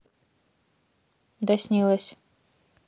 да снилось